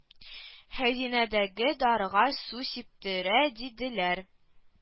Хәзинәдәге дарыга су сиптерә диделәр